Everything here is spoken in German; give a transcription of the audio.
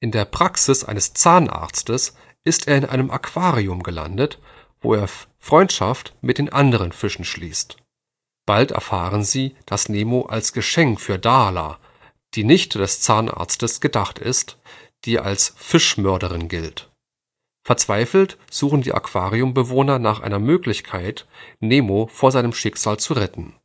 der Praxis eines Zahnarztes ist er in einem Aquarium gelandet, wo er Freundschaft mit den anderen Fischen schließt. Bald erfahren sie, dass Nemo als Geschenk für Darla, die Nichte des Zahnarztes, gedacht ist, die als Fischmörderin gilt. Verzweifelt suchen die Aquariumbewohner nach einer Möglichkeit, Nemo vor seinem Schicksal zu retten